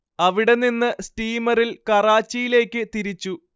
അവിടെനിന്ന് സ്റ്റീമറിൽ കറാച്ചിയിലേക്ക് തിരിച്ചു